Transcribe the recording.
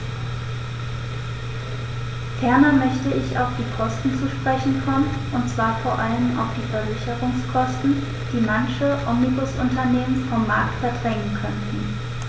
Ferner möchte ich auf die Kosten zu sprechen kommen, und zwar vor allem auf die Versicherungskosten, die manche Omnibusunternehmen vom Markt verdrängen könnten.